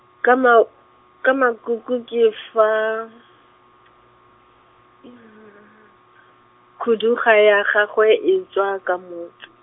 ka ma-, ka makuku ke fa , khuduga ya gagwe e tswa ka motswi.